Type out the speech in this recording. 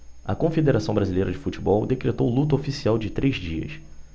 a confederação brasileira de futebol decretou luto oficial de três dias